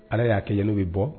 Ala y'a kɛylo bɛ bɔ